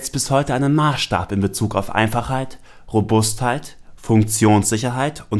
bis heute einen Maßstab in Bezug auf Einfachheit, Robustheit, Funktionssicherheit